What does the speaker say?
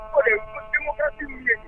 O ye den di mun ye